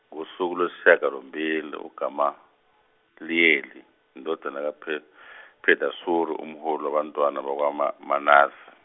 ngosuku lwesishiyagalombil- uGamaliyeli indodana kaPe- Pedasuri umholi wabantwana bakwaMa- Manase.